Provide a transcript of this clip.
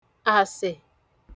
àsè